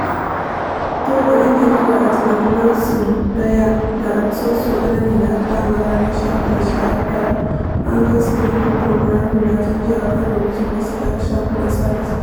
Togo: Yan jarida @loiclawson1 da @SossouAnani da aka kama a ranar 13/11 an kai su gidan kurkukun farar hula tun jiya akan rubutun da sukai a shafukan sada zumunta.